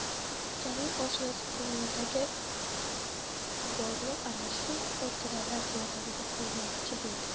jalil oshnasi ko'nglidagi g'uborni ana shu xotiralar yordamida quvmoqchi bo'ldi